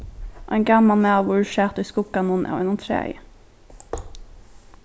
ein gamal maður sat í skugganum av einum træi